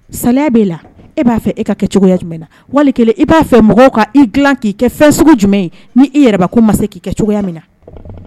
Saliya b'e la e b'a fɛ e ka kɛ cogoya jumɛn na wali kelen i b'a fɛ mɔgɔw ka i dila k'i kɛ fɛn sugu jumɛn ye ni e yɛrɛbakun ma se k'i kɛ cogoya min na